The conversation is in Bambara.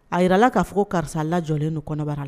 A yira la k'a fɔ ko karisa lajɔlen do kɔnɔbara la